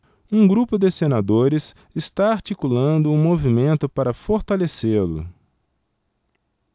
um grupo de senadores está articulando um movimento para fortalecê-lo